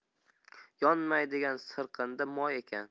yonmaydigan sirqindi moy ekan